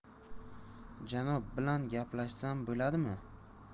janob bilan gaplashsam bo'ladimi